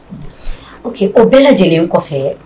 Ok o bɛɛ lajɛlen kɔfɛ